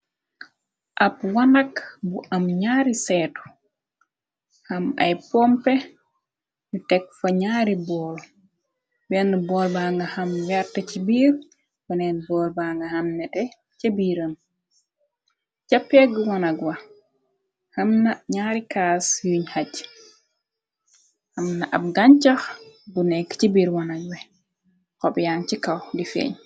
Ab wanak bu am ñaari seetu, am ay pompe nu tek fa ñaari bool. Benn bool ba nga am wert ci biir, beneen bool ba nga am nétté ca biiram, ca peeg wanag wa, am na ñaari kaas yuñ haj. Am na ab gancax bu nekk ci biir wanag wi xob yaan si kaw di feeñ.